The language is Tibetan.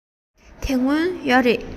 དེ སྔ ཡོད རེད